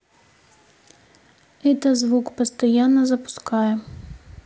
это звук постоянно запуская